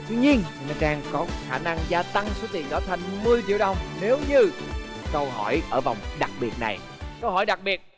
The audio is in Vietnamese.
tuy nhiên nê na trang có khả năng gia tăng số tiền đó thành mười triệu đồng nếu như câu hỏi ở vòng đặc biệt này câu hỏi đặc biệt